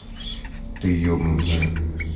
ты ебнутая